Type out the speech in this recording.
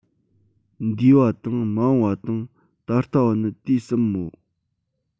འདས པ དང མ འོངས པ དང ད ལྟ བ ནི དུས གསུམ མོ